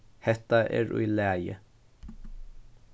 hetta er í lagi